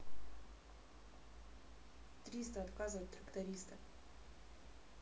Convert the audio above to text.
триста отказывают тракториста